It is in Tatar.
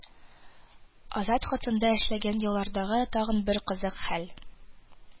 «азат хатын»да эшләгән еллардагы тагын бер кызык хәл